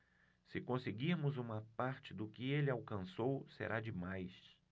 se conseguirmos uma parte do que ele alcançou será demais